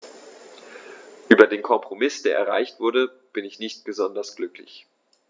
Über den Kompromiss, der erreicht wurde, bin ich nicht besonders glücklich.